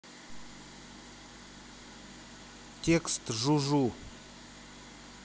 текст жу жу